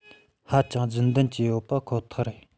ཧ ཅང རྒྱུན ལྡན གྱི ཡོད པ ཁོ ཐག རེད